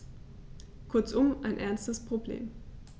Kurzum, ein ernstes Problem.